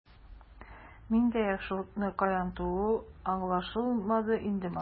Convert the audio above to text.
Миндә яхшылыкның каян тууы аңлашылдымы инде, матрос?